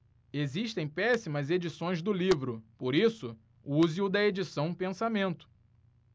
existem péssimas edições do livro por isso use o da edição pensamento